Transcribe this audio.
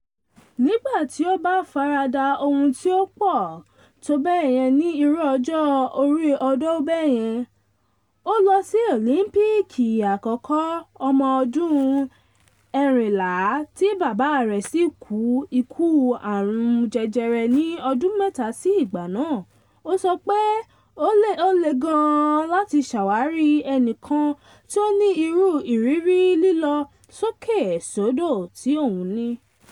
"Nígbà tí ó bá farada ohun tí ó pọ̀ tó bẹ́yẹn ní irú ọjọ́ orí ọ̀dọ̀ bẹ́yẹn“ - o lọ sí Òlíńpíìkì àkọ́kọ́ ní ọmọ ọdún 14 tí bàbá rẹ̀ sì kú ikú àrùn jẹjẹrẹ ní ọdún mẹ́tà sí ìgbà náà - ó sọ pé ó le gan an láti ṣàwárí ẹnìkan tí ó ní ìrú ìrírí lílọ sókè sódò tí òun ní.